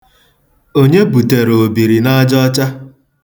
Onye butere obirinaajaọcha?